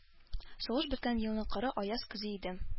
Сугыш беткән елның коры, аяз көзе иде.